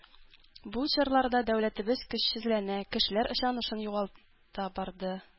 Бу чорларда дәүләтебез көчсезләнә, кешеләр ышанычын югалта барды.